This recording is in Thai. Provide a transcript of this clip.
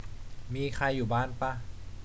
มีใครอยู่บ้านปะ